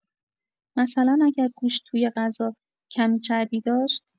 مثلا اگر گوشت توی غذا کمی چربی داشت